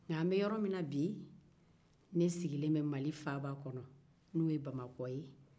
nka an bɛ yɔrɔ min na bi ne sigilen bɛ mali faaba kɔnɔ n'o ye bamakɔ ye